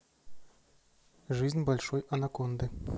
жизнь большой анаконды